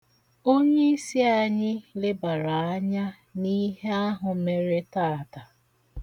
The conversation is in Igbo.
Onyeisi anyị lebara anya n'ihe ahụ mere taata.